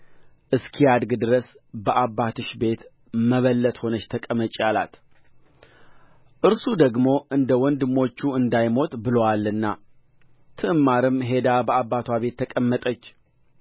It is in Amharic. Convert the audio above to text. እስኪያድግ ድረስ በአባትሽ ቤት መበለት ሆነሽ ተቀመጪ አላት እርሱ ደግሞ እንደ ወንድሞቹ እንዳይሞት ብሎአልና ትዕማርም ሄዳ በአባትዋ ቤት ተቀመጠች